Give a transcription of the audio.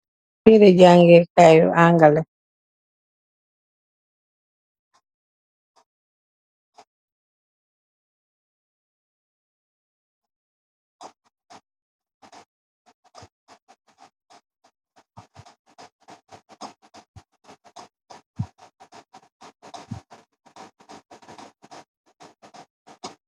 Tèèreh jangèè kai yu Angaleh .